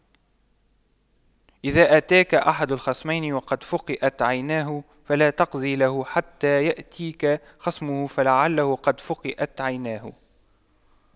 إذا أتاك أحد الخصمين وقد فُقِئَتْ عينه فلا تقض له حتى يأتيك خصمه فلعله قد فُقِئَتْ عيناه